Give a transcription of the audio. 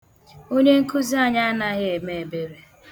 Onye nkụzị anyi anaghịi eme ebere.